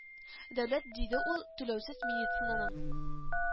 Дәүләт, диде ул, түләүсез медицинаның